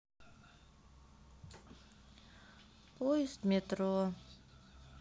поезд метро